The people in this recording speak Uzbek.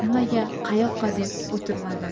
nimaga qayoqqa deb o'tirmadim